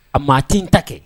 A maa tɛ n ta kɛ.